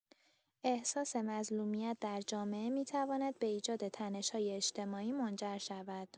احساس مظلومیت در جامعه می‌تواند به ایجاد تنش‌های اجتماعی منجر شود.